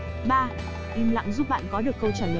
im lặng giúp bạn có được câu trả lời